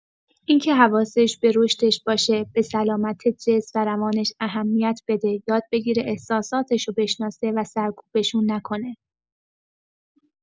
این که حواسش به رشدش باشه، به سلامت جسم و روانش اهمیت بده، یاد بگیره احساساتشو بشناسه و سرکوبشون نکنه.